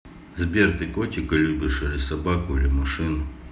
сбер ты котика любишь или собаку или машину